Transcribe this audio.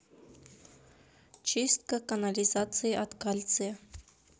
чистка канализации от кальция